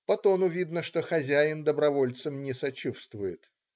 " По тону видно, что хозяин добровольцам не сочувствует.